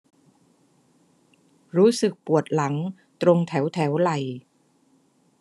รู้สึกปวดหลังตรงแถวแถวไหล่